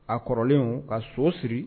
A kɔrɔlen ka so siri